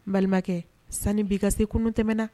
N balimakɛ sani bii ka se kunun tɛmɛnɛna